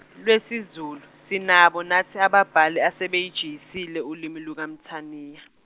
lwesiZulu sinabo nathi ababhali asebeyijiyisile ulimi lukaMthaniya.